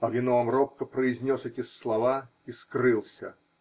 Авиноам робко произнес эти слова и скрылся.